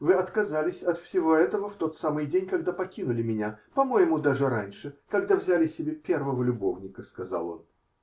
Вы отказались от всего этого в тот самый день, когда покинули меня, по-моему, даже раньше, когда взяли себе первого любовника, -- сказал он.